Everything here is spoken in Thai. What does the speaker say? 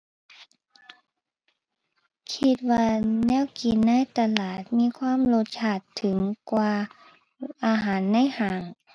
คิดว่าแนวกินในตลาดมีความรสชาติถึงกว่าอาหารในห้าง